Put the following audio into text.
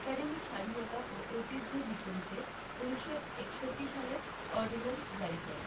academic স্বাধীনতা ও ঐতিহ্যের বিপরীতে ১৯৬১ সালের অর্ডিন্যান্স জারি করে